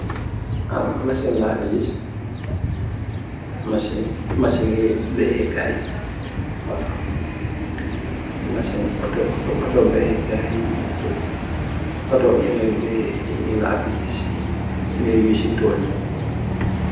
Masin laa fi gis, masin, masin I bayee KAAY.Waaw, masin, Otto, otto bayee kaay. Otto yu ñuy bayee, laa fi gis. Ñooy yu si tool yi.